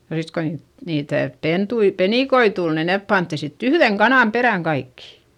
ja sitten kun niitä niitä pentuja penikoita tuli niin ne pantiin sitten yhden kanan perään kaikki